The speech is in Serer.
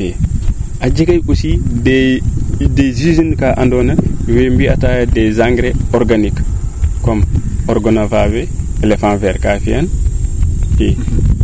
i a jegay aussi des des usines kaa ando na owey mbiya tayo des engrais organique comme organer faa fe elephant fe kaa fiyan